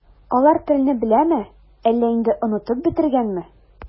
Алар телне беләме, әллә инде онытып бетергәнме?